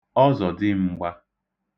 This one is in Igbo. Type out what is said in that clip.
ọzọ̀dịm̄gbā